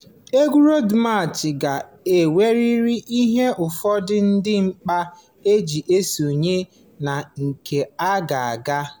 Egwu Road March ga-enwerịrị ihe ụfọdụ dị mkpa iji sonye na nke ga-aga aga: